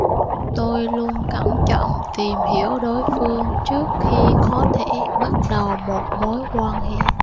tôi luôn cẩn trọng tìm hiểu đối phương trước khi có thể bắt đầu một mối quan hệ